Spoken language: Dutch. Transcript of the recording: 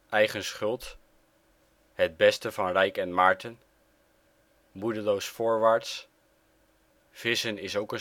Eigen Schuld Het beste van Rijk en Maarten Moedeloos voorwaarts Vissen is ook